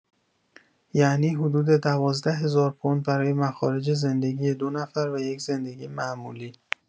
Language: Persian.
یعنی حدود ۱۲ هزار پوند برای مخارج زندگی ۲ نفر و یک زندگی معمولی.